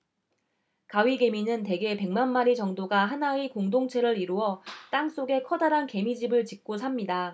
가위개미는 대개 백만 마리 정도가 하나의 공동체를 이루어 땅 속에 커다란 개미집을 짓고 삽니다